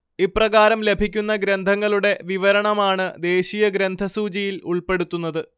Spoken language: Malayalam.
ഇപ്രകാരം ലഭിക്കുന്ന ഗ്രന്ഥങ്ങളുടെ വിവരണമാണ് ദേശീയ ഗ്രന്ഥസൂചിയിൽ ഉൾപ്പെടുത്തുന്നത്